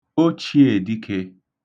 ochīèdikē